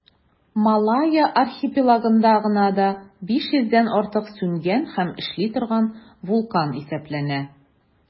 Малайя архипелагында гына да 500 дән артык сүнгән һәм эшли торган вулкан исәпләнә.